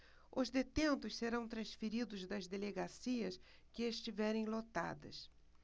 os detentos serão transferidos das delegacias que estiverem lotadas